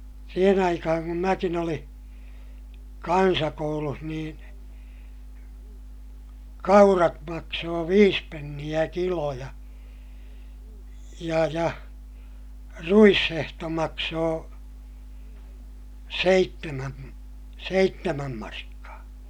siihen aikaan kun minäkin olin kansakoulussa niin kaurat maksoi viisi penniä kilo ja ja ja ruishehto maksoi seitsemän seitsemän markkaa